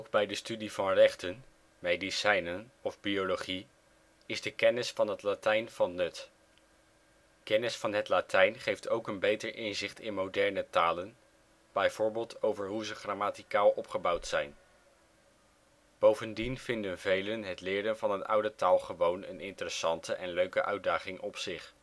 bij de studie van rechten, medicijnen of biologie is de kennis van het Latijn van nut. Kennis van het Latijn geeft ook een beter inzicht in moderne talen, bijvoorbeeld over hoe ze grammaticaal opgebouwd zijn. Bovendien vinden velen het leren van een oude taal gewoon een interessante en leuke uitdaging op zich